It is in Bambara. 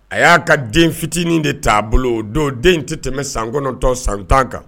A y'a ka den ficiinin de ta a bolo den in tɛ tɛmɛ san kɔnɔntɔn, san tan kan.